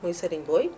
muy Serigne Boye